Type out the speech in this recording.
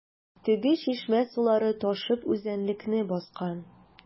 Теге чишмә сулары ташып үзәнлекне баскан.